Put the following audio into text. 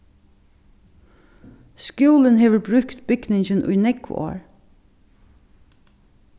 skúlin hevur brúkt bygningin í nógv ár